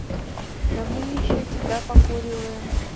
да мы еще тебя покуриваем